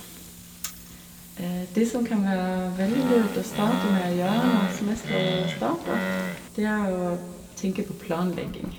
Det som kan være veldig lurt å starte med å gjøre når semesteret starter, det er å tenke på planlegging.